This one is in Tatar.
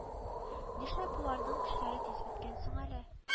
Нишләп боларның көчләре тиз беткән соң әле